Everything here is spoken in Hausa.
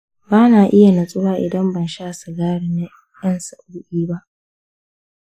ba na iya natsuwa idan ban sha sigari na 'yan sa'o'i ba.